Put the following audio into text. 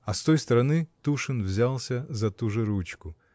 А с той стороны Тушин взялся за ту же ручку.